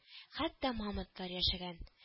Хәтта мамонтлар яшәгән